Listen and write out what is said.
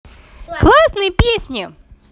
классные песни